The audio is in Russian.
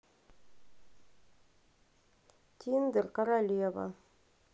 тиндер королева